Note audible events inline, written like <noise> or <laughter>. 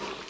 <hesitation>